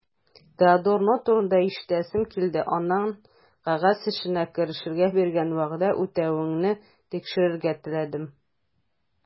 Теодор Нотт турында ишетәсем килде, аннан кәгазь эшенә керешергә биргән вәгъдә үтәвеңне тикшерергә теләдем.